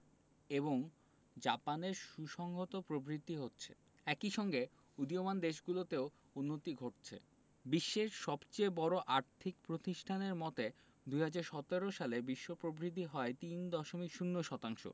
এবং জাপানের সুসংগত প্রবৃদ্ধি হচ্ছে একই সঙ্গে উদীয়মান দেশগুলোতেও উন্নতি ঘটছে বিশ্বের সবচেয়ে বড় আর্থিক প্রতিষ্ঠানটির মতে ২০১৭ সালে বিশ্ব প্রবৃদ্ধি হয় ৩.০ শতাংশ